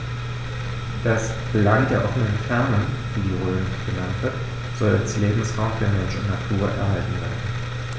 Das „Land der offenen Fernen“, wie die Rhön auch genannt wird, soll als Lebensraum für Mensch und Natur erhalten werden.